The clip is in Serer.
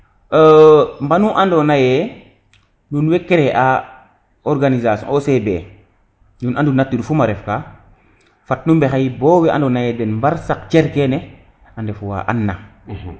mbanu ando naye nuun way creer a organisation OCB nuun andu nature fuma ref ka fat nu mbexey bo we nado naye den mba saq cer kene a ndef wa an na